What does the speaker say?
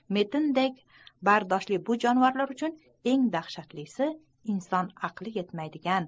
metindek bardoshli bu jonivorlar uchun eng dahshatlisi inson aqli yetmaydigan